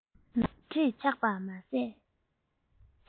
ནག དྲེག ཆགས པ མ ཟད